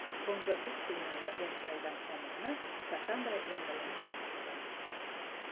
ko'ngilsiz signallar berib turadigan homilani kassandra embrion deb atadim